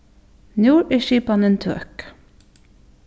nú er skipanin tøk